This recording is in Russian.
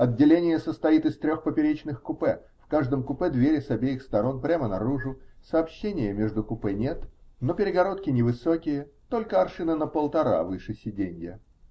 Отделение состоит из трех поперечных купе: в каждом купе двери с обеих сторон прямо наружу, сообщения между купе нет, но перегородки невысокие, только аршина на полтора выше сиденья.